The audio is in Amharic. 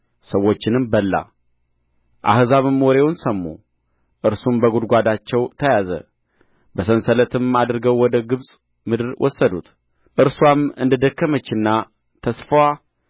ሰዎችንም በላ አሕዛብም ወሬውን ሰሙ እርሱም በጕድጓዳቸው ተያዘ በሰንሰለትም አድርገው ወደ ግብጽ ምድር ወሰዱት እርስዋም እንደ ደከመችና ተስፋዋ